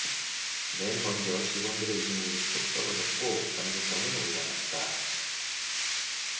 맨먼저 직원들의 이직률이 뚝 떨어졌고 만족감은 올라갔다